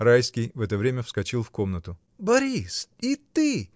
Райский в это время вскочил в комнату. — Борис, и ты?